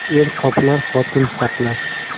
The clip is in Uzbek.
er qoplar xotin saqlar